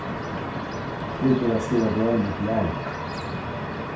til ber at skriva grein í blaði